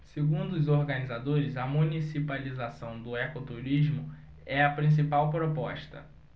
segundo os organizadores a municipalização do ecoturismo é a principal proposta